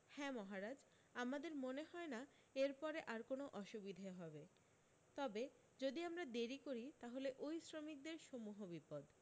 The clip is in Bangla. হ্যাঁ মহারাজ আমাদের মনে হয় না এরপরে আর কোনো অসুবিধে হবে তবে যদি আমরা দেরি করি তাহলে অই শ্রমিকদের সমূহ বিপদ